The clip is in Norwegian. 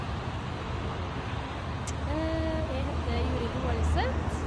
Jeg heter Jorid Roaldset.